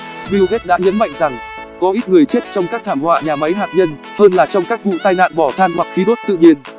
bill gates đã nhấn mạnh rằng có ít người chết trong các thảm họa nhà máy hạt nhân hơn là trong các vụ tai nạn mỏ than hoặc khí đốt tự nhiên